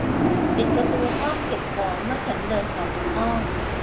ปิดประตูห้องเก็บของเมื่อฉันเดินออกจากห้อง